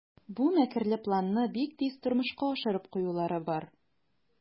Бу мәкерле планны бик тиз тормышка ашырып куюлары бар.